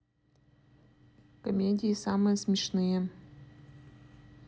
комедии самые смешные